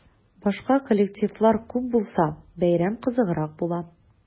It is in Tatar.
Башка коллективлар күп булса, бәйрәм кызыграк була.